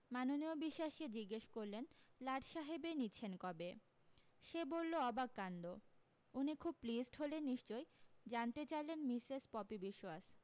মাননীয় বিশ্বাসকে জিজ্ঞেস করলেন লাটসাহেবী নিচ্ছেন কবে সে বললো অবাক কান্ড উনি খুব প্লিজড হলেন নিশ্চয়ই জানতে চাইলেন মিসেস পপি বিশোয়াস